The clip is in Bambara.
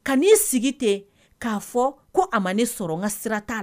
Ka n'i sigi ten k'a fɔ ko a ma ne sɔrɔ n ka sira t'a la